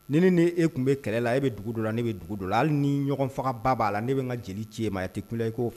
Ni ni e tun bɛ kɛlɛ la e bɛ dugu don la ne bɛ dugu don hali ni ɲɔgɔn fagaba b'a la ne bɛ ka jeli ma a tɛ kun ye'